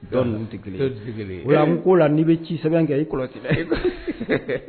Dɔnku ko la n'i bɛ ci sɛbɛn kɛ i